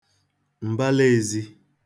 m̀bala ēzī